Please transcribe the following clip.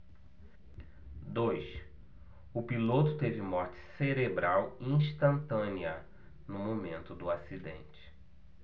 dois o piloto teve morte cerebral instantânea no momento do acidente